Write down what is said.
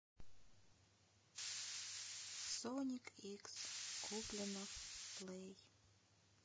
соник икс куплинов плей